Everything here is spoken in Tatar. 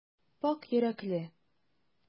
Пакь йөрәкле.